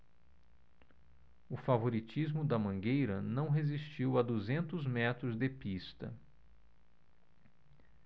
o favoritismo da mangueira não resistiu a duzentos metros de pista